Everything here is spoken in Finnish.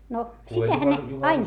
no sitähän ne aina